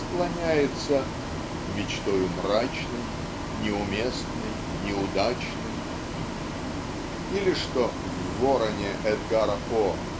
склоняется "мечтою мрачной неуместной неудачной" или что в "Вороне" Эдгара По